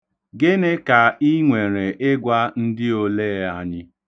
Gịnị ka i nwere ịgwa ndị olee anya?